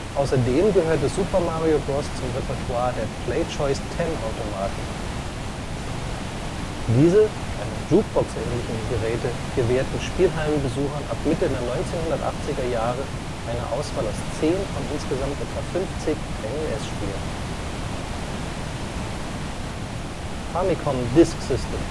Außerdem gehörte Super Mario Bros. zum Repertoire der PlayChoice-10-Automaten. Diese einer Jukebox ähnlichen Geräte gewährten Spielhallenbesuchern ab Mitte der 1980er Jahre eine Auswahl aus zehn von insgesamt etwa 50 NES-Spielen. Famicom Disk System